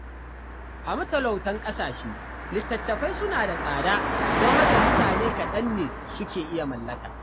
A matalautan ƙasashe, litattafai suna da tsada, don haka mutane kaɗan ne suke iya mallaka.